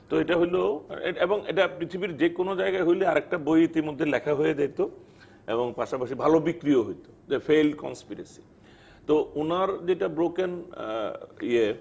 তো এটা হইলো এবং এটা পৃথিবীর যে কোন জায়গায় হলে আরেকটা বই ইতোমধ্যে লিখা হয়ে যেত এবং পাশাপাশি ভালো বিক্রি হতো এ ফেইল্ড কন্সপিরেসি তো উনার যেটা ব্রোকেন ইয়ে